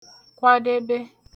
kwàdebe